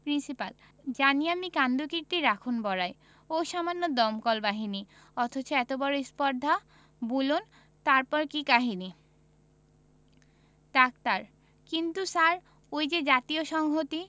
principal জানি আমি কাণ্ডকীর্তি রাখুন বড়াই ওহ্ সামান্য দমকল বাহিনী অথচ এত বড় স্পর্ধা বুলন তারপর কি কাহিনী ডাক্তার কিন্তু স্যার ওই যে জাতীয় সংহতি